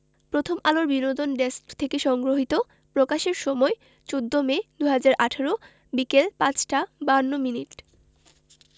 প্রথমআলোর বিনোদন ডেস্কথেকে সংগ্রহীত প্রকাশের সময় ১৪মে ২০১৮ বিকেল ৫টা ৫২ মিনিট